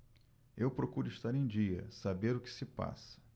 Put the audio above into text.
eu procuro estar em dia saber o que se passa